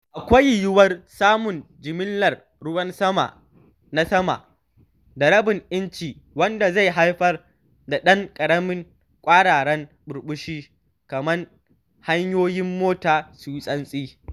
Akwai yiwuwar samun jimillar ruwan sama na sama da rabin inci, wanda zai haifar da ɗan ƙaramin kwararar ɓurɓushi kuma hanyoyin mota su yi santsi.